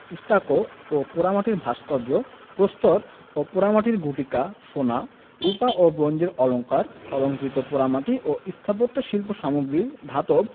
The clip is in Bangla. স্টাকো ও পোড়ামাটির ভাস্কর্য প্রস্তর ও পোড়ামাটির গুটিকা সোনা রূপা ও ব্রোঞ্জের অলঙ্কার অলঙ্কৃত পোড়ামাটি ও স্থাপত্যশিল্প সামগ্রী ধাতব